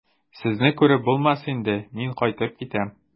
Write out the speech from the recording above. Сезне күреп булмас инде, мин кайтып китәм.